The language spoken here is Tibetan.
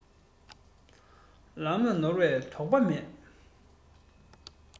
ལམ ལ ནོར བའི དོགས པ མེད